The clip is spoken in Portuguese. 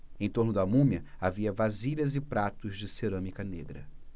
em torno da múmia havia vasilhas e pratos de cerâmica negra